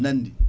nandi